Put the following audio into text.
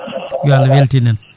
yo Allah weltin en